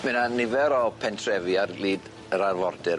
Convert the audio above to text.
Ma' 'na nifer o pentrefi ar lid yr arfordir.